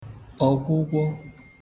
ọgwụgwọ